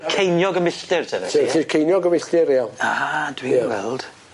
Ceiniog y milltir te felly ie? Felly ceiniog y milltir iawn. A dwi'n gweld.